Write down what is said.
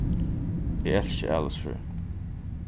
eg elski alisfrøði